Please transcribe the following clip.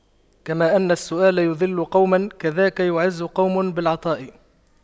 كما أن السؤال يُذِلُّ قوما كذاك يعز قوم بالعطاء